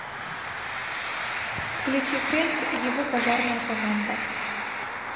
включи фрэнк и его пожарная команда